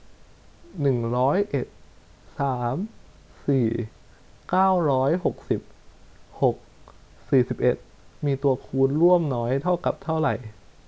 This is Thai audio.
หนึ่งร้อยเอ็ดสามสี่เก้าร้อยหกสิบหกสี่สิบเอ็ดมีตัวคูณร่วมน้อยเท่ากับเท่าไหร่